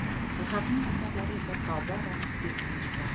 rhaqning asablari esa tobora izdan chiqar